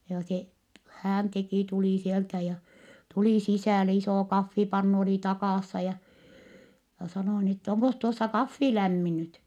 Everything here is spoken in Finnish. joo se hän teki tuli sieltä ja tuli sisälle iso kahvipannu oli takassa ja ja sanoi niin että onkos tuossa kahvi lämmin nyt